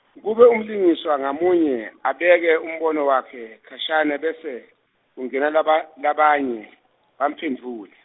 kube umlingiswa ngamunye , abeke umbono wakhe, khashane bese, kungena laba- labanye, bamphendvule.